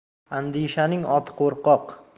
andishaning oti qo'rqoq